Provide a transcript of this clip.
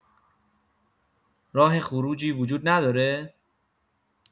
راه خروجی وجود نداره؟